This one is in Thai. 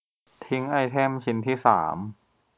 ทิ้งไอเทมชิ้นที่สาม